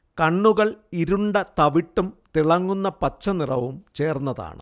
കണ്ണുകൾ ഇരുണ്ട തവിട്ടും തിളങ്ങുന്ന പച്ചനിറവും ചേർന്നതാണ്